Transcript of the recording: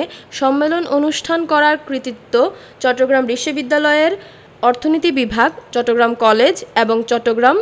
এ সম্মেলন অনুষ্ঠান করার কৃতিত্ব চট্টগ্রাম বিশ্ববিদ্যালয়ের অর্থনীতি বিভাগ চট্টগ্রাম কলেজ এবং চট্টগ্রাম